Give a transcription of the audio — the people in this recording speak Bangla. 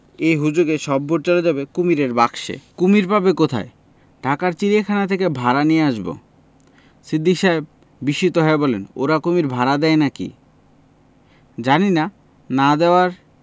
এই হুজুগে সব ভোট চলে যাবে কুমীরের বাক্সে ‘কুমীর পাবে কোথায় ঢাকার চিড়িয়াখানা থেকে ভাড়া নিয়ে আসব সিদ্দিক সাহেব বিস্মিত হয়ে বললেন 'ওরা কুমীর ভাড়া দেয় না কি জানি না না দেওয়ার